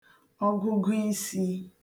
ọgụgụisị̄